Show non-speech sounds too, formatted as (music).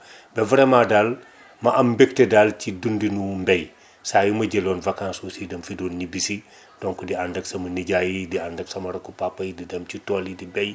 (inhales) ba vraiment daal ma am mbégte daal ci dundinu mbay saa yu ma jëloon vacance aussi dama fi doon ñibbi si (inhales) donc di ànd ak sama nijaay yi di ànd ak sama rakku papa yi di dem ci tool yi di bay